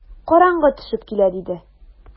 Караңгы төшеп килә, - диде.